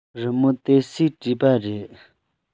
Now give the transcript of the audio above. རི མོ དེ སུས བྲིས པ རེད